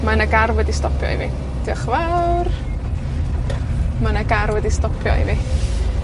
Mae 'na gar wedi stopio i fi dioch y' fawr. Ma' 'na gar wedi stopio i fi.